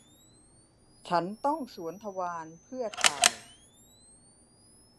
ฉันต้องสวนทวารเพื่อให้ถ่าย